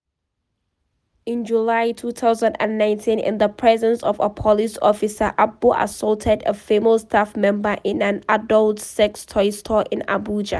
In July 2019, in the presence of a police officer, Abbo assaulted a female staff member in an adult sex toy store in Abuja.